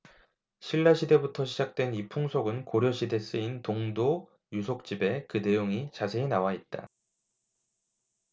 신라시대부터 시작된 이 풍속은 고려시대 쓰인 동도유속집에 그 내용이 자세히 나와있다